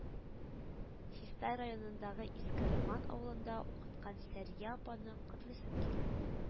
- чистай районындагы иске роман авылында укыткан сәрия апаны котлыйсым килә